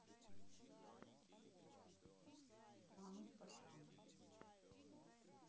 самый пашян